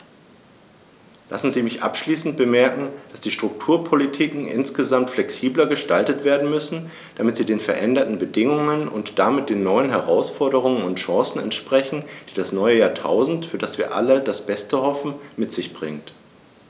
Lassen Sie mich abschließend anmerken, dass die Strukturpolitiken insgesamt flexibler gestaltet werden müssen, damit sie den veränderten Bedingungen und damit den neuen Herausforderungen und Chancen entsprechen, die das neue Jahrtausend, für das wir alle das Beste hoffen, mit sich bringt.